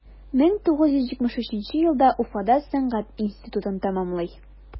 1973 елда уфада сәнгать институтын тәмамлый.